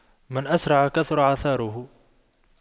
من أسرع كثر عثاره